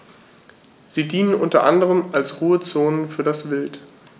Sie dienen unter anderem als Ruhezonen für das Wild.